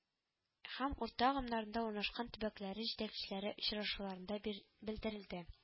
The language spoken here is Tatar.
Һәм урта агымнарында урнашкан төбәкләре җитәкчеләре очрашуларында бир белдерде